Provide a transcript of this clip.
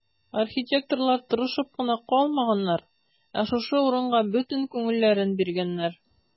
Архитекторлар тырышып кына калмаганнар, ә шушы урынга бөтен күңелләрен биргәннәр.